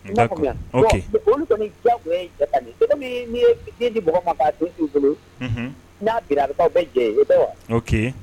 Kɔni ja kun ni mɔgɔ ma' bolo n'a bilakaw bɛ jɛ i bɛ wa